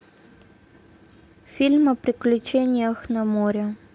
фильмы о приключениях на море